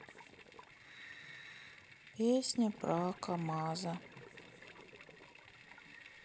песня про камаза